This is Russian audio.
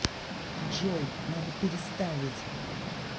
джой надо переставить